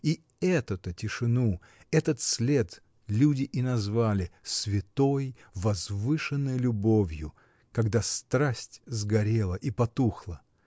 И эту-то тишину, этот след люди и назвали — святой, возвышенной любовью, когда страсть сгорела и потухла.